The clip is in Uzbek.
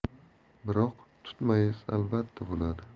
biroq tutmayiz albatta bo'ladi